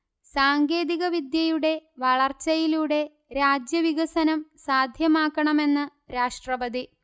സാങ്കേതികവിദ്യയുടെ വളർച്ചയിലൂടെ രാജ്യ വികസനം സാധ്യമാക്കണമെന്ന്രാഷ്ട്രപതി